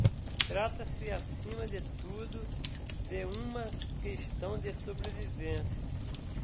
trata-se acima de tudo de uma questão de sobrevivência